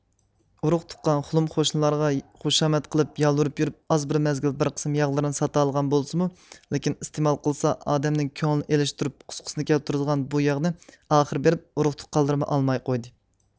ئۇرۇق تۇغقان قولۇم قوشنىلىرىغا خۇشامەت قىلىپ يالۋۇرۇپ يۈرۈپ ئاز بىر مەزگىل بىر قىسىم ياغلىرىنى ساتالىغان بولسىمۇ لېكىن ئىستېمال قىلسا ئادەمنىڭ كۆڭلىنى ئېلىشتۇرۇپ قۇسقىسىنى كەلتۈرىدىغان بۇ ياغنى ئاخىر بېرىپ ئۇرۇق تۇغقانلىرىمۇ ئالماي قويدى